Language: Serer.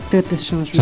acteur de changement